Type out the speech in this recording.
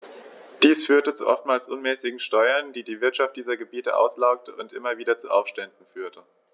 Dies führte zu oftmals unmäßigen Steuern, die die Wirtschaft dieser Gebiete auslaugte und immer wieder zu Aufständen führte.